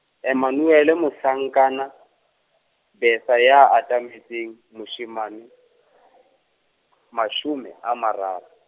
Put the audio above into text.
Emmanuele, Mohlankana, Bertha ya atametseng, moshemane, mashome a mararo.